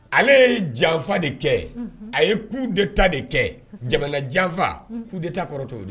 Ale ye janfa de kɛ a ye ku de ta de kɛ jamana janfa ku de taa kɔrɔtɛo di